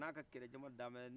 a n' a kɛlɛjama dalen bɛ